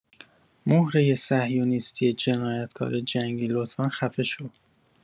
مهره صهیونیستی جنایتکار جنگی لطفا خفه شو